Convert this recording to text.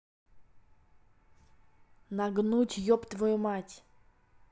нагнуть еб твою мать